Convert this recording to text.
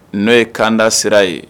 N'o ye kanda sira ye